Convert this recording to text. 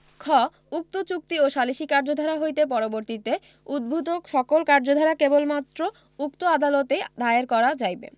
খ উক্ত চুক্তি ও সালিসী কার্যধারা হইতে পরবর্তীতে উদ্ভুত সকল কার্যধারা কেবলমাত্র উক্ত আদালতেই দায়ের করা যাইবে